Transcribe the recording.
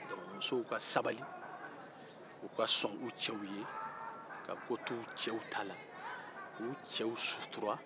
musow ka sabali u ka sɔn u cɛw ye ka ko to u cɛw ta la k'u cɛw sutura